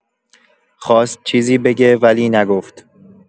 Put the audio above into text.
خواست چیزی بگه، ولی نگفت.